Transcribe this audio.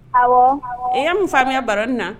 Ɔwɔ i ye mun faamuya bara in na